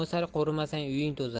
o'sar qo'rimasang uying to'zar